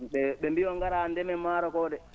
?e ?e mbiyoo ngaraa ndemen maaro ko de